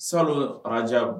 Salon arajan